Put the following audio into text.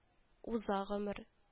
Уза гомер